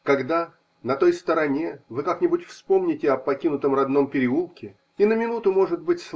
Когда на той стороне вы как-нибудь вспомните о покинутом родном переулке и на минуту, может быть.